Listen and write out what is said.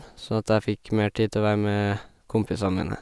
Sånn at jeg fikk mer tid til å være med kompisene mine.